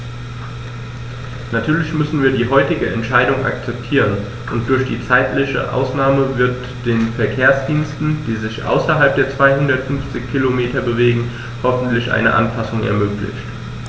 Natürlich müssen wir die heutige Entscheidung akzeptieren, und durch die zeitliche Ausnahme wird den Verkehrsdiensten, die sich außerhalb der 250 Kilometer bewegen, hoffentlich eine Anpassung ermöglicht.